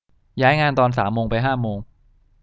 ย้ายงานตอนสามโมงไปห้าโมง